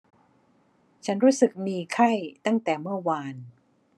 ฉันรู้สึกมีไข้ตั้งแต่เมื่อวาน